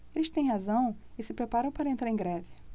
eles têm razão e se preparam para entrar em greve